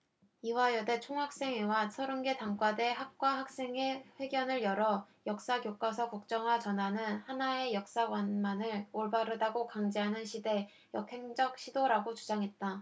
이화여대 총학생회와 서른 개 단과대 학과 학생회 회견을 열어 역사 교과서 국정화 전환은 하나의 역사관만을 올바르다고 강제하는 시대 역행적 시도라고 주장했다